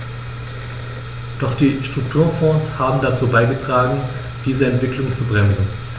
Doch die Strukturfonds haben dazu beigetragen, diese Entwicklung zu bremsen.